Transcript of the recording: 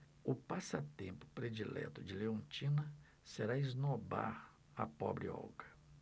o passatempo predileto de leontina será esnobar a pobre olga